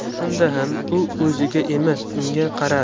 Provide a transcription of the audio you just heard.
shunda ham u o'ziga emas unga qaradi